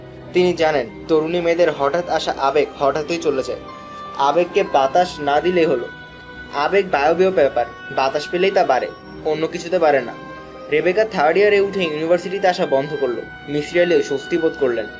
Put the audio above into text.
তিনি জানেন তরুণী মেয়েদের হঠাৎ আসা আবেগ হঠাৎই চলে যায় আবেগকে বাতাস না দিলেই হলাে। আবেগ বায়বীয় ব্যাপার বাতাস পেলেই তা বাড়ে অন্য কিছুতে বাড়ে না রেবেকা থার্ড ইয়ারে উঠেই ইউনিভার্সিটিতে আসা বন্ধ করল মিসির আলি স্বস্তি বােধ করলেন